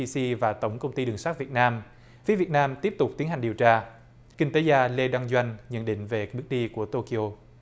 xi và tổng công ty đường sắt việt nam phía việt nam tiếp tục tiến hành điều tra kinh tế gia lê đăng doanh nhận định việc bước đi của tô ki ô